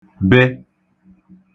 be